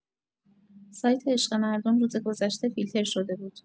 سایت «عشق مردم» روز گذشته فیلتر شده بود.